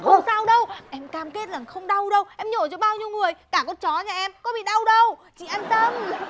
không sao đâu em cam kết là không đau đâu em nhổ cho bao nhiêu người cả con chó nhà em có bị đau đâu chị an tâm